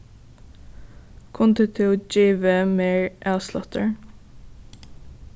kundi tú givið mær avsláttur